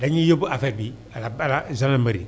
dañuy yóbbu affaire bi à la à la gendarmerie